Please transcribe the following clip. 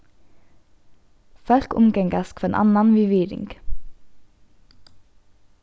fólk umgangast hvønn annan við virðing